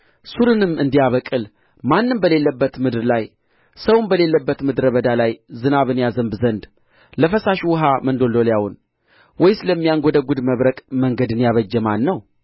ሣሩንም እንዲያበቅል ማንም በሌለባት ምድር ላይ ሰውም በሌለባት ምድረ በዳ ላይ ዝናብን ያዘንብ ዘንድ ለፈሳሹ ውኃ መንዶልዶያውን ወይስ ለሚያንጐደጕድ መብረቅ መንገድን ያበጀ ማን ነው